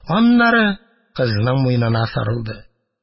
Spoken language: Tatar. Аннары кызның муенына сарылды.